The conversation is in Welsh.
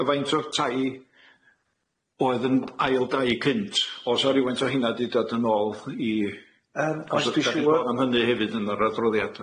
A yy faint o'r tai oedd yn ail dai cynt o's 'a rywaint o heinia 'di dod yn ôl i sôn am hynny hefyd yn yr adroddiad?